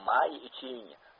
may iching